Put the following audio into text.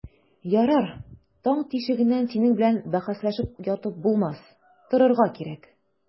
Ярар, таң тишегеннән синең белән бәхәсләшеп ятып булмас, торырга кирәк.